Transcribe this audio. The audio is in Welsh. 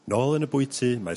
Nôl yn y bwyty mae...